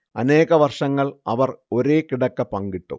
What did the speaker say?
അനേക വർഷങ്ങൾ അവർ ഒരേ കിടക്ക പങ്കിട്ടു